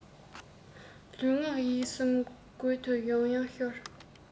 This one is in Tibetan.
ལུས ངག ཡིད གསུམ རྒོད དུ ཡང ཡང ཤོར